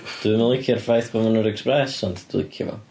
Dwi ddim yn licio'r ffaith bod nhw'n yr Express. Ond, dwi'n licio fo.